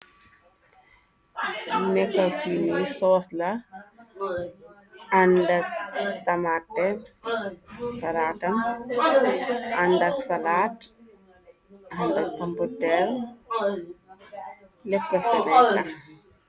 Neka fii soos la, andak tamate salatam, andak salat, andak pomputer, lekka feresa.